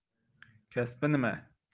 kasbi nima